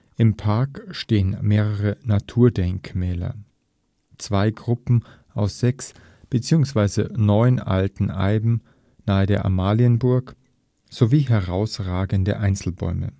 Im Park stehen mehrere Naturdenkmäler: Zwei Gruppen aus sechs, beziehungsweise neun alten Eiben nahe der Amalienburg, sowie herausragende Einzelbäume